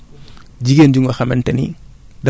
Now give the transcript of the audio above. parce que bu dee par exemple